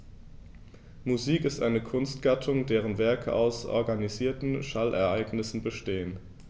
Musik ist eine Kunstgattung, deren Werke aus organisierten Schallereignissen bestehen.